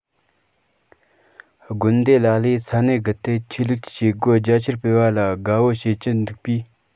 དགོན སྡེ ལ ལས ས གནས བརྒལ ཏེ ཆོས ལུགས ཀྱི བྱེད སྒོ རྒྱ ཆེར སྤེལ བ ལ དགའ བོ བྱེད ཀྱི འདུག པས